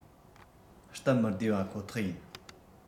སྟབ མི བདེ བ ཁོ ཐག ཡིན